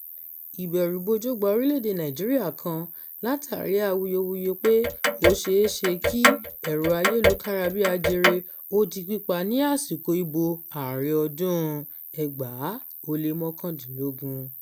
Ìbẹ̀rùbojo gba orílẹ̀-èdè Nàìjíríà kan látàrí awuyewuye pé ó ṣe é ṣe kí ẹ̀rọ ayélukára-bí-ajere ó di pípa ní àsìkò ìbò ààrẹ ọdún-un 2019.